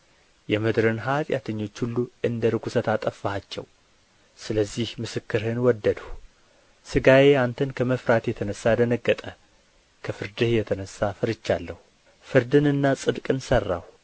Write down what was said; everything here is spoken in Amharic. የምድርን ኃጢአተኞች ሁሉ እንደ ርኵሰት አጠፋሃቸው ስለዚህ ምስክርህን ወደድሁ ሥጋዬ አንተን ከመፍራት የተነሣ ደንገጠ ከፍርድህ የተነሣ ፈርቻለሁ ፍርድንና ጽድቅን ሠራሁ